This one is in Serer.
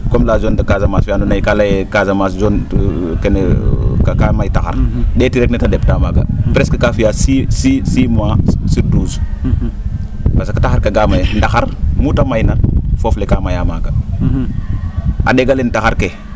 comme la zone de casamance fee andoona yee kaa layek casamance zone keene yoo kaa may taxar ?eeti rek ne taa de?taa maaga presque kaa fi'aa six mois sur douze parce taxar ke kaa may ndaxar muu ta mayna foof le kaa mayaa maaga a ?eg ale taxar ke